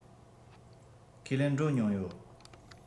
ཁས ལེན འགྲོ མྱོང ཡོད